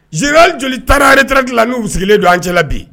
Général joli taara retraite la n’olu sigilen b'an cɛla bi?